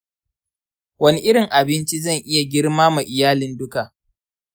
wani irin abinci zan iya girma ma iyalin duka?